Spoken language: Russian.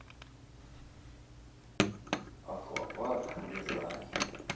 аквапарк в рязани